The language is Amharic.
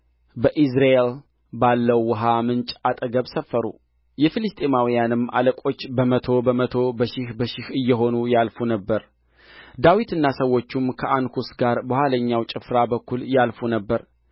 በኢይዝራኤል ባለው ውኃ ምንጭ አጠገብ ሰፈሩ የፍልስጥኤማውያንም አለቆች በመቶ በመቶ በሺህ በሺህ እየሆኑ ያልፉ ነበር ዳዊትና ሰዎቹም ከአንኩስ ጋር በኋለኛው ጭፍራ በኩል ያልፉ ነበር